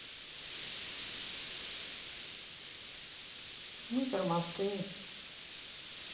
мы тормозты